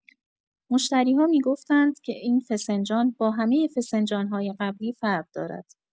مشتری‌ها می‌گفتند که این فسنجان با همۀ فسنجان‌های قبلی فرق دارد.